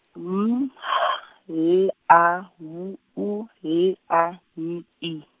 M, H, L, A, W, U, L, A, N, I.